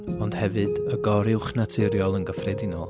Ond hefyd y goruwchnaturiol yn gyffredinol.